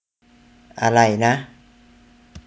อะไรนะ